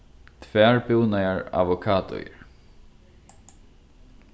tvær búnaðar avokadoir